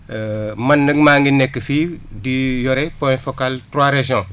man nag maa ngi nekk fii di yore point focal trois régions